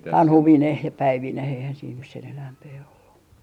tanhuineen ja päivineen eihän siinä nyt sen enempää ollut